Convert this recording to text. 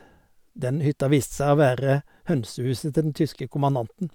Den hytta viste seg å være hønsehuset til den tyske kommandanten.